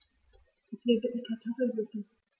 Ich will bitte Kartoffelsuppe.